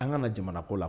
An ka jamanako la